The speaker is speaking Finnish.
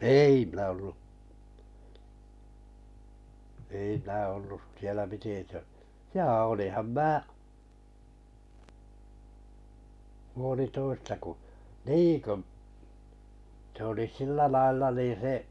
ei minä ollut ei minä ollut siellä piti - jaa olinhan minä puolitoista kun niin kun se oli sillä lailla niin se